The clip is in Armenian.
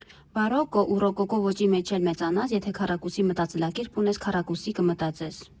Բարոկկո ու ռոկոկո ոճի մեջ էլ մեծանաս, եթե քառակուսի մտածելակերպ ունես, քառակուսի կմտածես։